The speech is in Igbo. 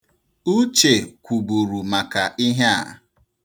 Uche kwuburu maka ihe a.